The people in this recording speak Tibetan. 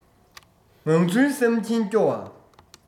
ངང ཚུལ བསམ གྱིན སྐྱོ བ